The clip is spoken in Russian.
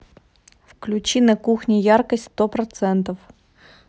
включи на кухне яркость сто процентов